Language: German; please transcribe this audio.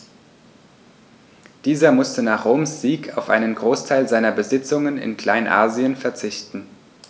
Dieser musste nach Roms Sieg auf einen Großteil seiner Besitzungen in Kleinasien verzichten.